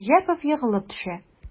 Рәҗәпов егылып төшә.